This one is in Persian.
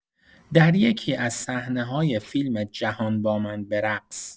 در یکی‌از صحنه‌های فیلم «جهان با من برقص»